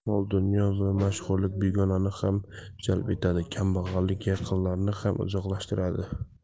mol dunyo va mashhurlik begonani ham jalb etadi kambag'allik yaqinlarni ham uzoqlashtiradi